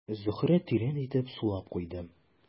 Зөһрә тирән итеп сулап куйды.